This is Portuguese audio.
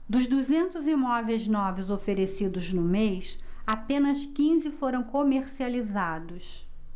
dos duzentos imóveis novos oferecidos no mês apenas quinze foram comercializados